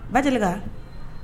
Ba deli